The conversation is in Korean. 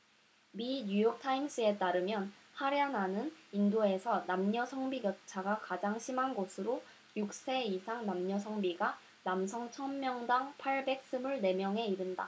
미 뉴욕타임스에 따르면 하랴냐는 인도에서 남녀 성비 격차가 가장 심한 곳으로 육 세 이상 남녀 성비가 남성 천 명당 팔백 스물 네 명에 이른다